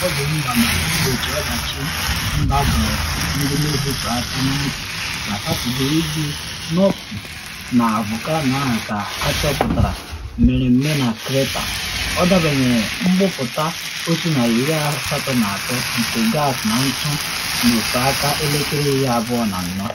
Ọdụ Mba maka Mgbochi Ọdachi Mba dọrọ ndị Mexico aka na ntị na Satọde iji nọpụ na volkano ahụ ka achọpụtara mmereme na kreta, ọ debanyere mbupute 183 nke gas na ntụ n’ofe aka elekere 24.